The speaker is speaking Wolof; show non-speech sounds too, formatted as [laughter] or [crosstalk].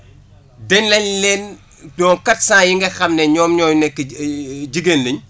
danañ leen ñoom quatre cent yi nga xam ne ñoom ñoo nekk [hesitation] jigéen lañ